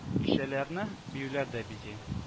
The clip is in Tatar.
Кичәләрне биюләр дә бизи